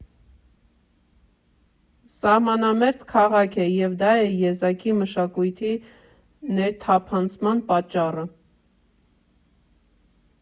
Սահմանամերձ քաղաք է և դա է եզակի մշակույթի ներթափանցման պատճառը։